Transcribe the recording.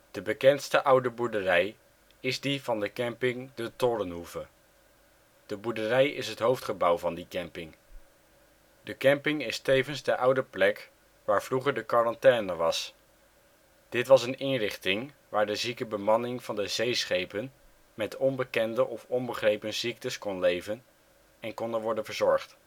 De bekendste oude boerderij is die van de camping " De Torenhoeve ". De boerderij is het hoofdgebouw van die camping. De camping is tevens de oude plek waar vroeger de Quarantaine was. Dit was een inrichting waar de zieke bemanning van de zeeschepen met onbekende of onbegrepen ziektes kon leven en kon worden verzorgd